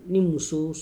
Ni muso